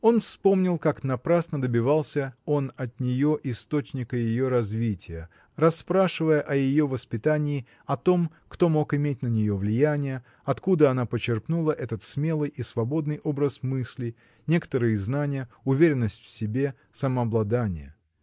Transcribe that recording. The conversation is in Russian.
Он вспомнил, как напрасно добивался он от нее источника ее развития, расспрашивая о ее воспитании, о том, кто мог иметь на нее влияние, откуда она почерпнула этот смелый и свободный образ мысли, некоторые знания, уверенность в себе, самообладание.